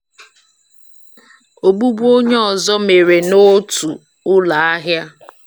Ogbugbu onye ọzọ mere n'otu ụlọ ahịa.